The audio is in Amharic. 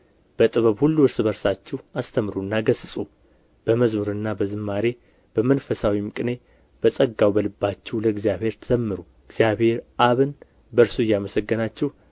በጥበብ ሁሉ እርስ በርሳችሁ አስተምሩና ገሥጹ በመዝሙርና በዝማሬ በመንፈሳዊም ቅኔ በጸጋው በልባችሁ ለእግዚአብሔር ዘምሩ እግዚአብሔር አብን በእርሱ እያመሰገናችሁ